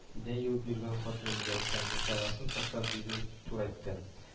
Идән юып йөргән хатыны миләүшә, мунчаласын ташлап, билен турайтты